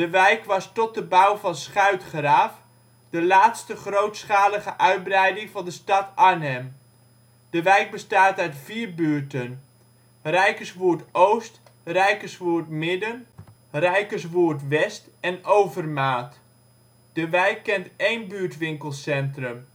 wijk was tot de bouw van Schuytgraaf de laatste grootschalige uitbreiding van de stad Arnhem. De wijk bestaat uit vier buurten: Rijkerswoerd-Oost, Rijkerswoerd-Midden, Rijkerswoerd-West en Overmaat. De wijk kent één buurtwinkelcentrum